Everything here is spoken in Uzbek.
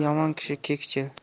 yomon kishi kekchil